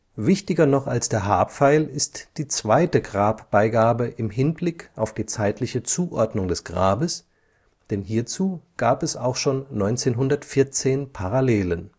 Wichtiger noch als der „ Haarpfeil “ist die zweite Grabbeigabe im Hinblick auf die zeitliche Zuordnung des Grabes, denn hierzu gab es auch schon 1914 Parallelen